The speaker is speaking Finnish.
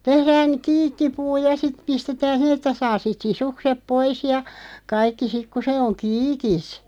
tehdään kiikkipuu ja sitten pistetään siihen että saa sitten sisukset pois ja kaikki sitten kun se on kiikissä